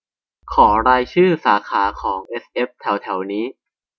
ขอรายชื่อสาขาของเอสเอฟแถวแถวนี้